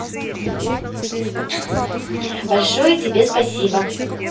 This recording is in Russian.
большое тебе спасибо